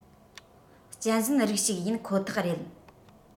གཅན གཟན རིགས ཞིག ཡིན ཁོ ཐག རེད